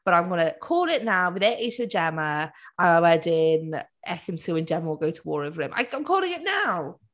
But I’m gonna call it now, bydd e eisiau Gemma a wedyn Ekin-Su and Gemma will go to war over him, I’m calling it now!